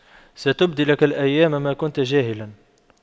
ستبدي لك الأيام ما كنت جاهلا